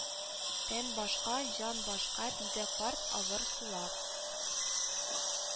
Тән башка, җан башка, диде карт, авыр сулап